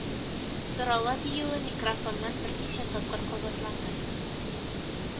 Сорала диюе микрофоннан берничә тапкыр кабатланды